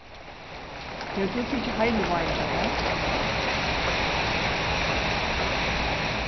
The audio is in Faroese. hevur tú tikið heilivágin hjá tær